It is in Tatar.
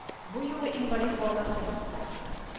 Бу юлы инвалид балалар темасы тартты